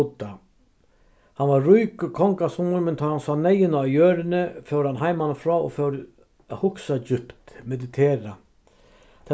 buddha hann var ríkur tá hann sá neyðina á jørðini fór hann heimanífrá og fór at hugsa djúpt meditera